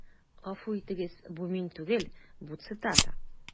Гафу итегез, бу мин түгел, бу цитата.